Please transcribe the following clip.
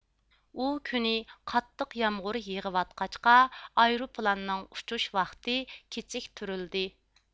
ئۇ كۈنى قاتتىق يامغۇر يېغىۋاتقاچقا ئايروپىلاننىڭ ئۇچۇش ۋاقتى كېچىكتۈرۈلدى